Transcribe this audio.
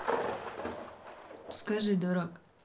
скажи дурак